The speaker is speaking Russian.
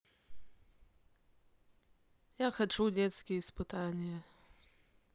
я хочу детские испытания